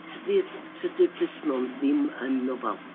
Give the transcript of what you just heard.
Tydi'r Trydydd Plismon ddim yn nofel.